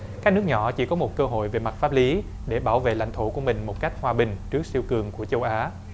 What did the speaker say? các nước nhỏ chỉ có một cơ hội về mặt pháp lý để bảo vệ lãnh thổ của mình một cách hòa bình trước siêu cường của châu á